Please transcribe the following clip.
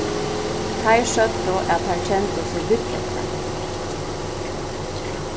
teir søgdu at teir kendu seg viðbreknar